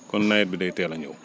kon nawet bi day teel a ñëw